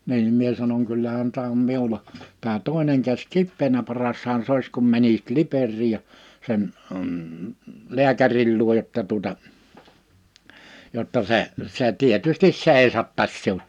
niin minä sanon kyllähän tämä on minulla tämä toinen käsi kipeänä parashan se olisi kun menisit Liperiin ja sen - lääkärin luo jotta tuota jotta se se tietysti seisottaisi sinut